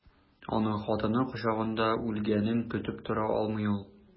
Аның хатыны кочагында үлгәнен көтеп тора алмый ул.